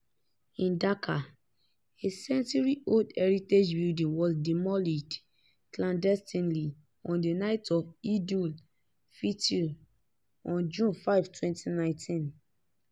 In Dhaka, a century-old heritage building was demolished clandestinely on the night of Eid-ul-Fitr on June 5, 2019.